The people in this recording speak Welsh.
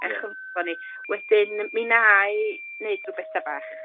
a'i chynffon 'i. Wedyn mi wnâi neud ryw betha bach.